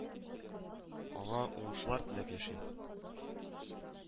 Аңа уңышлар теләп яшим